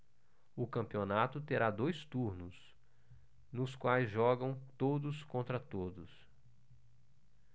o campeonato terá dois turnos nos quais jogam todos contra todos